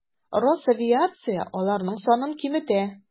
Росавиация аларның санын киметә.